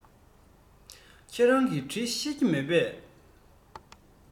ཁྱེད རང གིས འབྲི ཤེས ཀྱི མེད པས